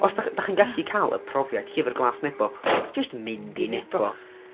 Os dach, dach chi'n gallu cael y profiad 'Llyfr Glas Nebo' wrth jyst mynd i Nebo.